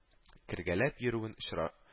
Кергәләп йөрүен очра